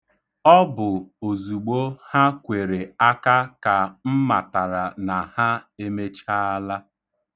Ọ bụ ozugbo ha kwere aka ka m matara na ha emechaala.